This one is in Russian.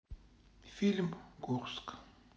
фильм курск